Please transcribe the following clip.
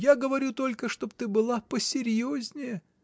Я говорю только, чтоб ты была посерьезнее.